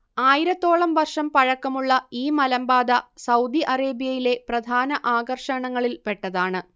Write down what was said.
ആയിരത്തോളം വർഷം പഴക്കമുള്ള ഈ മലമ്പാത സൗദി അറേബ്യയിലെ പ്രധാന ആകർഷണങ്ങളിൽ പെട്ടതാണ്